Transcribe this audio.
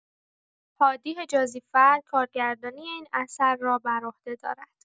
هادی حجازی‌فر کارگردانی این اثر را بر عهده دارد.